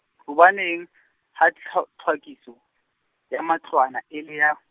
hobaneng, ha tlhw- tlhwekiso, ya matlwana e le ya.